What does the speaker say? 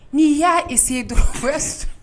N'i y'a seyidu